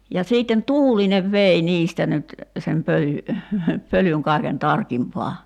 ja sitten tuulinen vei niistä nyt sen pölyn pölyn kaiken tarkimpaan